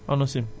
ANACIM